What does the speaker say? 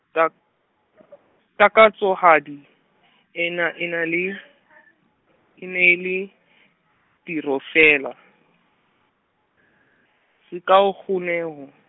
ta- , takatsohadi , ena ena le, e ne le tiro fela, sekao kgoneho.